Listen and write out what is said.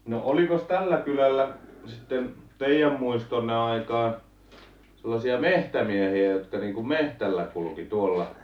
no olikos tällä kylällä sitten teidän muistonne aikaan sellaisia metsämiehiä jotka niin kuin metsällä kulki tuolla